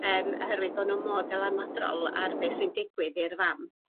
Yym oherwydd bo' n'w mor dylanwadol ar beth sy'n digwydd i'r fam.